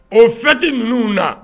O fiti ninnu na